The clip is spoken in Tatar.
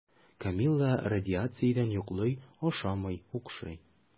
Камилла радиациядән йоклый, ашамый, укшый.